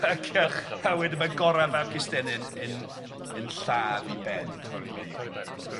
Ac yy... Ych a fi. ...a wedyn ma' Gora fab Custennin yn yn lladd 'i ben, yn torri ben i ffwrdd. orri i ben i ffwrdd ia.